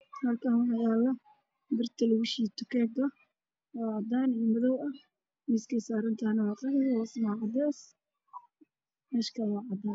Halkan waxayalo birta lagu shiito kega oo cadan io madow ah miiska eey sarantahay waa qaxwi io cades